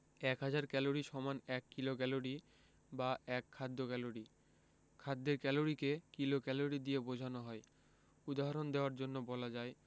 এক হাজার ক্যালরি সমান এক কিলোক্যালরি বা এক খাদ্য ক্যালরি খাদ্যের ক্যালরিকে কিলোক্যালরি দিয়ে বোঝানো হয় উদাহরণ দেয়ার জন্যে বলা যায়